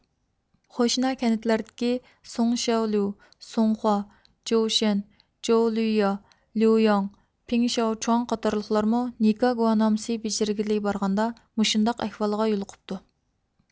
قوشنا كەنتلەردىكى سۇڭشياۋليۇ سۇڭخۇا جوۋشەن جوۋلۈييا ليۇلياڭ پېڭ شياۋچۇاڭ قاتارلىقلارمۇ نىكاھ گۇۋاھنامىسى بېجىرگىلى بارغاندا مۇشۇنداق ئەھۋالغا يولۇقۇپتۇ